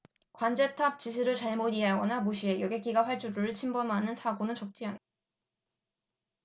관제탑 지시를 잘못 이해하거나 무시해 여객기가 활주로를 침범하는 사고는 적지 않다